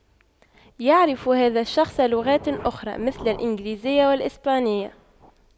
يعرف هذا الشخص لغات أخرى مثل الانجليزية والإسبانية